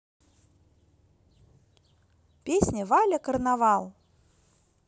песня валя карнавал